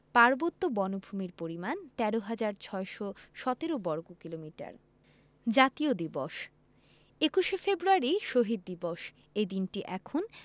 পার্বত্য বনভূমির পরিমাণ ১৩হাজার ৬১৭ বর্গ কিলোমিটার জাতীয় দিবসঃ ২১শে ফেব্রুয়ারি শহীদ দিবস এই দিনটি এখন